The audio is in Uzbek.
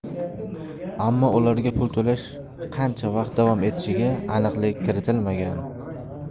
ammo ularga pul to'lash qancha vaqt davom etishiga aniqlik kiritilmagan